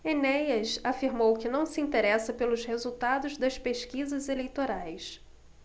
enéas afirmou que não se interessa pelos resultados das pesquisas eleitorais